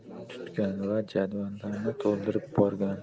tutgan va jadvallarni to'ldirib borgan